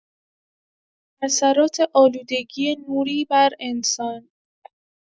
اثرات آلودگی نوری بر انسان